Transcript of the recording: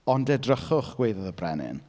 Ond edrychwch, gwaeddodd y brenin.